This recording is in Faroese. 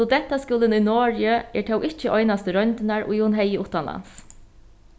studentaskúlin í noregi er tó ikki einastu royndirnar ið hon hevði uttanlands